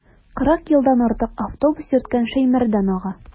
Кырык елдан артык автобус йөрткән Шәймәрдан ага.